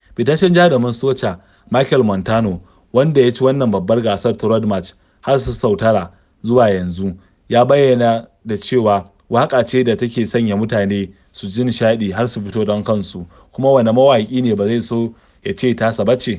Fitaccen jarumin Soca, Machel Montano, wanda ya ci wannan babban gasar ta Road March har sau tara zuwa yanzu, ya bayyana ta da cewa "waƙa ce da take sanya mutane su ji nishaɗi har su fito don kansu" - kuma wane mawaƙi ne ba zai so ya ce tasa ba ce?